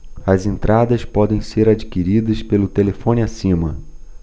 as entradas podem ser adquiridas pelo telefone acima